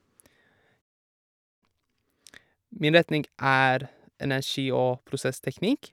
Min retning er energi- og prosessteknikk.